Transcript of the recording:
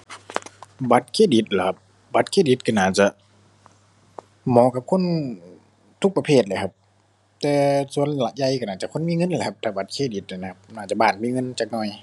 บัตรเครดิตเหรอครับ บัตรเครดิตก็น่าจะ เหมาะกับคนทุกประเภทแหละครับ แต่ส่วนใหญ่ก็น่าจะคนมีเงินแหละครับ ถ้าบัตรเครดิตนั่นนะครับ น่าจะบ้านมีเงินจักหน่อย